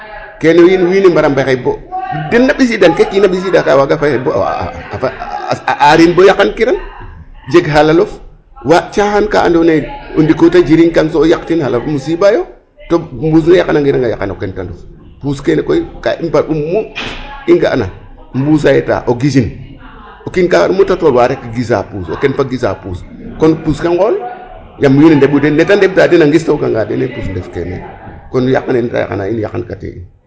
Kene wiin we mbara mbexey bo den na ɓisiidan ke kiin a ɓisiida kay a waaga fexey bo a aarin bo yaqankiran jeg xalalof waaɗ caaxan ka andoona yee o ndiko ta jiriñkang so o yaqtin xalalum musiba yo to mbuus ne yaqanangiran a yaqan kendtandof. Puus kene koy ka i mbaru mu i nga'na mbuus a yetaa o gisin o kiin ka war mu ta tol wa rek a gisaa puus o kend fa gisaa puus kon puus ke nqool yaam wiin we ndeɓu den ne ta ndeɓta den a ngistooganga den neen puus ndefkee meen.